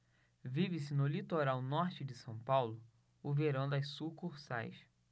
vive-se no litoral norte de são paulo o verão das sucursais